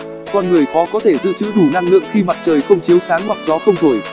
con người khó có thể dự trữ đủ năng lượng khi mặt trời không chiếu sáng hoặc gió không thổi